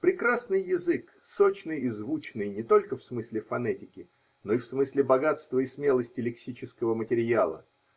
Прекрасный язык, сочный и звучный не только в смысле фонетики, но и в смысле богатства и смелости лексического материала.